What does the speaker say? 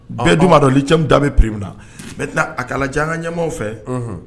Bɛɛ dun'a b'a dɔn lithium da bɛ prix min na bi, maintenant a ka lajɛ an ka ɲɛmaaw fɛ.